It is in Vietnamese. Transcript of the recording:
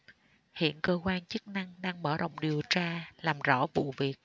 hiện cơ quan chức năng đang mở rộng điều tra làm rõ vụ việc